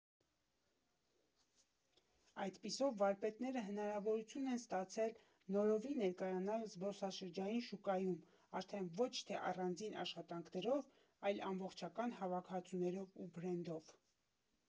Այդպիսով, վարպետները հնարավորություն են ստացել նորովի ներկայանալ զբոսաշրջային շուկայում արդեն ոչ թե առանձին աշխատանքներով, այլ ամբողջական հավաքածուներով ու բրենդով։